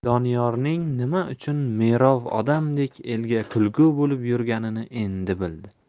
doniyorning nima uchun merov odamday elga kulgi bo'lib yurganini endi bildi